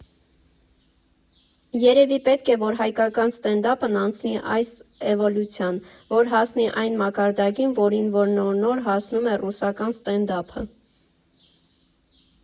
Երևի պետք է, որ հայկական սթենդափն անցնի այս էվոլյուցիան, որ հասնի այն մակարդակին, որին որ նոր֊նոր հասնում է ռուսական սթենդափը։